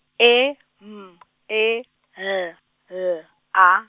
E M E L L A.